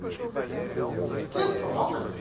sber ок